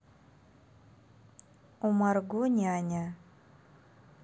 у марго няня